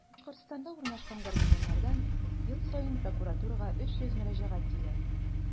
Башкортстанда урнашкан гарнизоннардан ел саен прокуратурага 300 мөрәҗәгать килә.